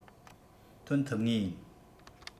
ཐོན ཐུབ ངེས ཡིན